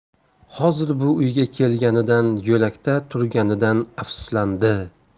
hozir bu uyga kelganidan yo'lakda turganidan afsuslandi